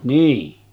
niin